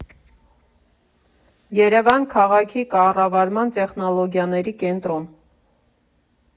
Երևան քաղաքի կառավարման տեխնոլոգիաների կենտրոն։